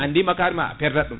an ndi makkarima a perdate ɗum